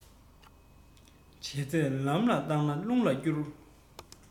བྱས ཚད ལམ ལ བཏང ན རླུང ལ བསྐུར